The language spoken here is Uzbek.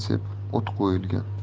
sepib o't qo'yilgan